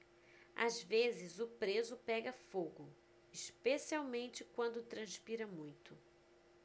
às vezes o preso pega fogo especialmente quando transpira muito